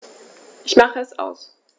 Ich mache es aus.